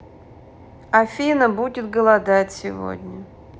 афина а будет голодать сегодня